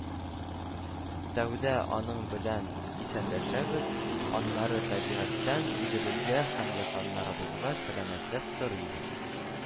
Тәүдә аның белән исәнләшәбез, аннары табигатьтән үзебезгә һәм якыннарыбызга сәламәтлек сорыйбыз,